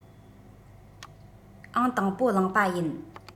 ཨང དང པོ བླངས པ ཡིན